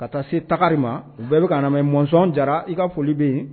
Ka taa se tagagari ma bɛɛ bɛ kamɛ mɔnzɔn jara i ka foli bɛ yen